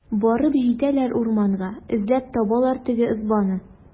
Барып җитәләр урманга, эзләп табалар теге ызбаны.